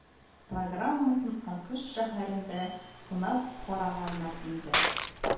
Программасын акыш шәһәрләрендә сынап караганнар инде